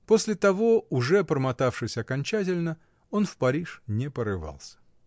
После того, уже промотавшись окончательно, он в Париж не порывался.